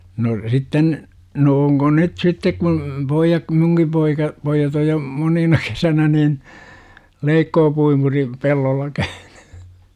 no sitten no onko nyt sitten kun pojat kun minunkin poika pojat on jo monina kesänä niin leikkuupuimuri pellolla käynyt